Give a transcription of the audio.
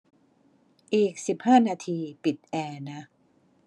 อีกสิบห้านาทีปิดแอร์นะ